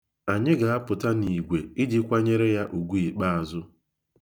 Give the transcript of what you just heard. Anyị ga-apụta n'igwe iji kwanyere ya ugwu ikpeazụ.